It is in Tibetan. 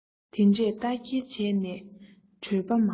དེ འདྲས རྟ འཁྱེར བྱས ནས བྲོས པ མང